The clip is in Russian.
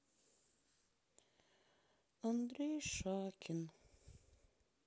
андрей шакин